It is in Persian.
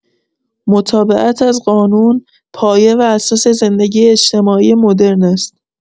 متابعت از قانون، پایه و اساس زندگی اجتماعی مدرن است.